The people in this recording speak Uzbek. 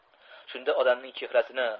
shunda odamning chehrasini